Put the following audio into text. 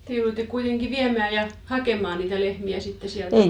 te jouduitte kuitenkin viemään ja hakemaan niitä lehmiä sitten sieltä